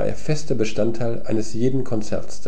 fester Bestandteil eines jeden Konzerts